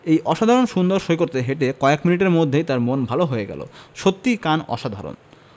এই অসাধারণ সুন্দর সৈকতে হেঁটে কয়েক মিনিটের মধ্যেই তার মন ভালো হয়ে গেল সত্যিই কান অসাধারণ